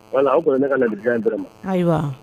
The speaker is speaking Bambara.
Voilà o kɔni ye ne ka ladili kan ye vraiment ayiwa